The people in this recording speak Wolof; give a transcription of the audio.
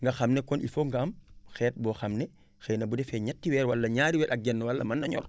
nga xam ne kon il faut nga am xeet boo xam ne xëy na bu defee ñetti weer wala ñaari weer ak genn wàll mën na ñor